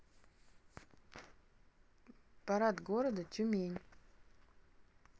парад города тюмень